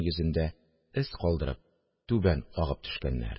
Йөзендә эз калдырып, түбән агып төшкәннәр